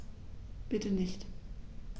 Bitte nicht.